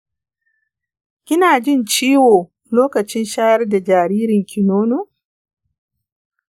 kina jin ciwo lokacin shayar da jaririnki nono?